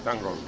tàngoor